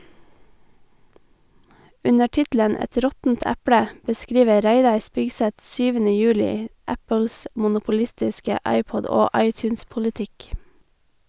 Under tittelen "Et råttent eple" beskriver Reidar Spigseth 7. juli Apples monopolistiske iPod- og iTunes-politikk.